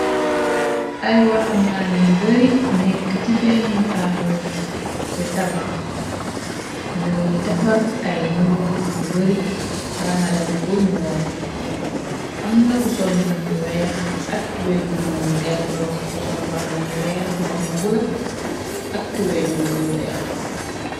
ay waxambaane yu bari nekk ci benn àll li tabax ñoo ngi defar ay muul yu bari rangale ko purmu wow am na ku sol mbub mu weex ak tubeju ñul dendoo ku sol mbaxna mu weex mbub mu bula ak tubeeju bula bu weex